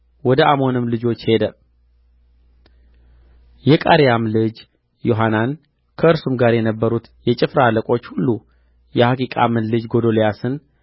ወደ አሞንም ልጆች ሄደ የቃሬያም ልጅ ዮሐናን ከእርሱም ጋር የነበሩት የጭፍራ አለቆች ሁሉ የአኪቃምን ልጅ ጎዶልያስን